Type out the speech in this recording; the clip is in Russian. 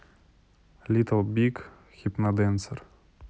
литл биг хипноденсер